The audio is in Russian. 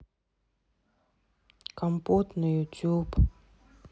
компот на ютюб